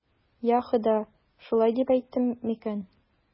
Йа Хода, шулай дип әйттем микән?